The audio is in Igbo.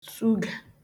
sugà